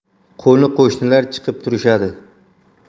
qo'ni qo'shnilar chiqib turishadi